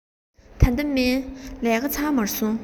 ད ལྟ མིན ལས ཀ ཚར མ སོང